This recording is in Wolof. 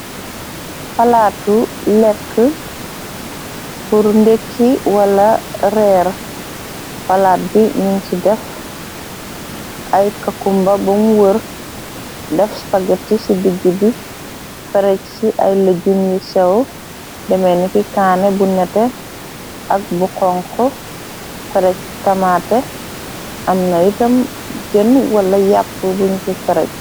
Palaatu lekk pur ndekki wala reer. Palaat bi nin ci def ay kakumba bamu wër def spagarti. Ci digg bi ferej ci ay lëggin yi sew deme niki kaane bu nete. Ak bu xonk fereji tamaate. Am na yitam jën wala yàpp buñ ci ferej.